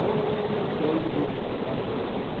*** О, что это был за спектакль!